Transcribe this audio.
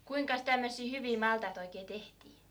kuinkas tämmöisiä hyviä maltaita oikein tehtiin